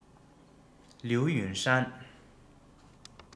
ལིའུ ཡུན ཧྲན